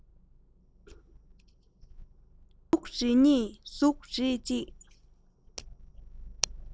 གཟུགས རིས གཉིས གཟུགས རིས གཅིག